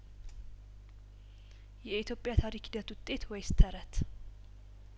የኢትዮጵያ ታሪክ ሂደት ውጤት ወይስ ተረት